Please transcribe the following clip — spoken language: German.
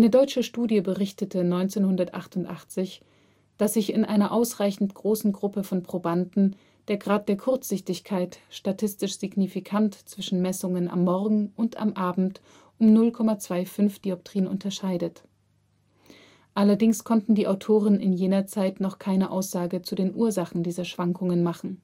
deutsche Studie berichtete 1988, dass sich in einer ausreichend großen Gruppe von Probanden der Grad der Kurzsichtigkeit statistisch signifikant zwischen Messungen am Morgen und am Abend um 0,25 dpt unterscheidet, allerdings konnten die Autoren in jener Zeit noch keine Aussage zu den Ursachen dieser Schwankungen machen